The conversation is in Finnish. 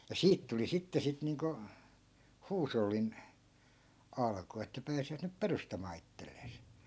ja siitä tuli sitten sitten niin kuin huushollin alku että pääsivät nyt perustamaan itselleen